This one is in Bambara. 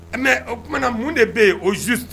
Mɛ o tumaumana mun de bɛ yen oz